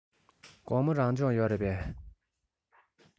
དགོང མོ རང སྦྱོང ཡོད རེད པས